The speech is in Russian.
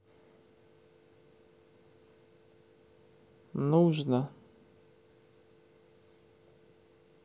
нужно